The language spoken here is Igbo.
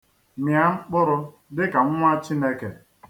Mịa mkpụrụ dịka nnwa Chineke.